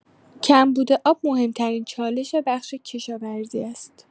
کمبود آب مهم‌ترین چالش بخش کشاورزی است.